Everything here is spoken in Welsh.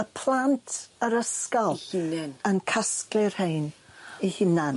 Y plant yr ysgol... 'U hunen. ...yn casglu rhein 'u hunan.